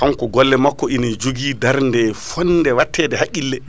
kanko golle makko ina jogui darde fonde wattede hagguille